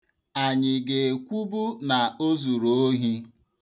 Anyị ga-ekwubu na o zuru ohi?